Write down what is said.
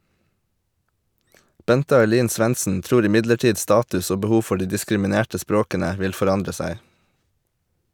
Bente Ailin Svendsen tror imidlertid status og behov for de diskriminerte språkene vil forandre seg.